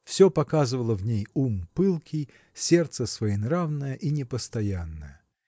Все показывало в ней ум пылкий, сердце своенравное и непостоянное.